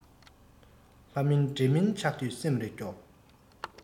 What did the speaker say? ལྷ མིན འདྲེ མིན ཆགས དུས སེམས རེ སྐྱོ